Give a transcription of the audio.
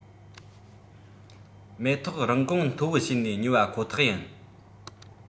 མེ ཏོག རིན གོང མཐོ བོ བྱེད ནས ཉོ བ ཁོ ཐག ཡིན